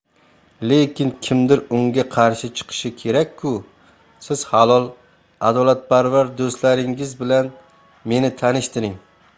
lekin kimdir unga qarshi chiqishi kerak ku siz halol adolatparvar do'stlaringiz bilan meni tanishtiring